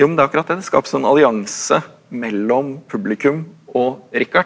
jo men det er akkurat det det skapes en allianse mellom publikum og Rikard.